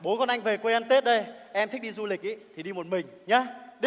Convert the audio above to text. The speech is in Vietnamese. bố con anh về quê ăn tết đây em thích đi du lịch ý thì đi một mình nhá đi